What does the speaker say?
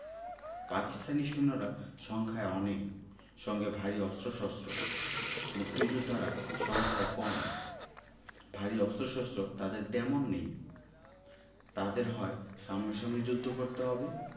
পাকিস্তানি সৈন্যরা সংখ্যায় অনেক সঙ্গে ভারী অস্ত্রশস্ত্র মুক্তিযোদ্ধারা সংখ্যায় কম ভারী অস্ত্রশস্ত্র তাঁদের তেমন নেই তাঁদের হয় সামনাসামনি যুদ্ধ করতে হবে